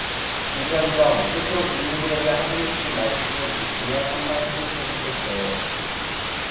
김현정 끝으로 국민들에게 하시고 싶은 말씀 있다면 한 말씀 해주시겠어요